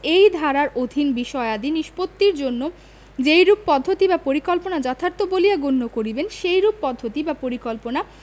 এই ধারার অধীন বিষয়াদি নিষ্পত্তির জন্য যেইরূপ পদ্ধতি বা পরিকল্পনা যথার্থ বলিয়া গণ্য করিবেন সেইরূপ পদ্ধতি বা পরিকল্পনা